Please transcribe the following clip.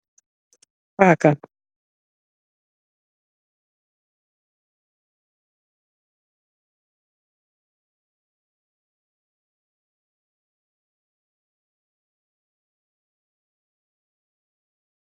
Pakah.